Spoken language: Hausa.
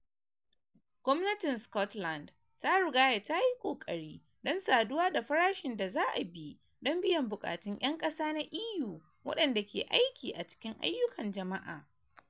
Gwamnatin Scotland ta rigaya ta yi ƙoƙari don saduwa da farashin da za a bi don biyan bukatun 'yan ƙasa na EU waɗanda ke aiki a cikin ayyukan jama'a.